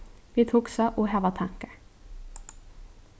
vit hugsa og hava tankar